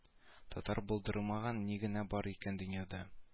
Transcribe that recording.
Татар булдырмаган ни генә бар икән дөньяда